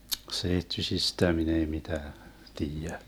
seittyisistä minä ei mitään tiedä